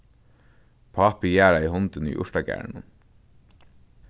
pápi jarðaði hundin í urtagarðinum